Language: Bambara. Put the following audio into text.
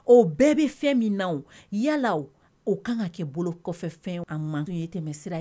O bɛɛ bɛ fɛn min na yalala o kan ka kɛ bolo kɔfɛ fɛn mankan ye te sira ye